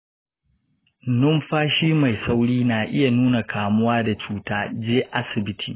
numfashi mai sauri na iya nuna kamuwa da cuta; je asibiti.